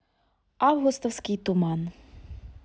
августовский туман